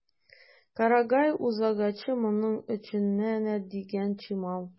Карагай үзагачы моның өчен менә дигән чимал.